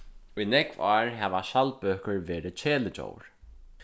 í nógv ár hava skjaldbøkur verið kelidjór